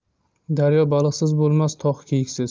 daryo baliqsiz bo'lmas tog' kiyiksiz